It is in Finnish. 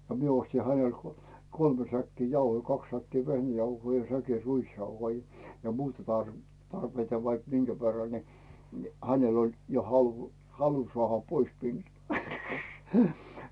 no minä ostin hänelle kolme säkkiä jauhoja kaksi säkkiä vehnäjauhoja ja säkin ruisjauhoja ja muuta - tarpeita vaikka minkä verran niin niin hänellä oli jo halu halu saada pois minua